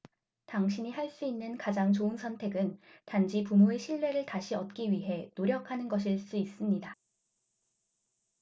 당신이 할 수 있는 가장 좋은 선택은 단지 부모의 신뢰를 다시 얻기 위해 노력하는 것일 수 있습니다